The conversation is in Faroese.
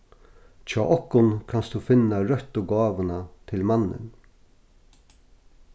hjá okkum kanst tú finna røttu gávuna til mannin